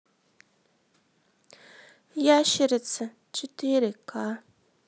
ящерицы четыре ка